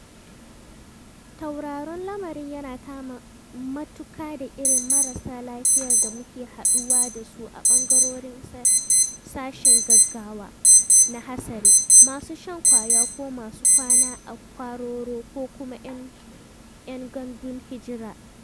Tauraron lamarin yana kama matuƙa da irin marasa lafiyar da muke haɗuwa da su a ɓangarorin sashen gaggawa na hatsari - masu shan ƙwaya ko masu kwana a kwararo ko kuma 'yan gudun hijira.